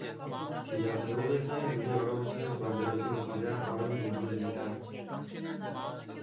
기자 계곡에 쌓인 눈이 얼어붙으면서 만들어진 거대한 얼음 동굴입니다